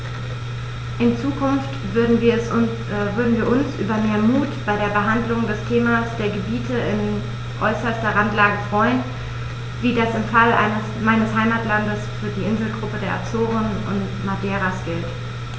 In Zukunft würden wir uns über mehr Mut bei der Behandlung des Themas der Gebiete in äußerster Randlage freuen, wie das im Fall meines Heimatlandes für die Inselgruppen der Azoren und Madeiras gilt.